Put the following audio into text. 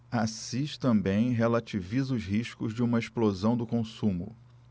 assis também relativiza os riscos de uma explosão do consumo